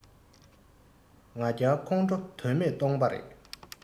ང རྒྱལ ཁོང ཁྲོ དོན མེད སྟོང པ རེད